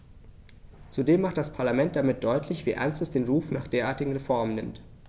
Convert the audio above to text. Zudem macht das Parlament damit deutlich, wie ernst es den Ruf nach derartigen Reformen nimmt.